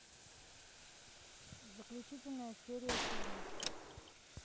заключительная серия фильма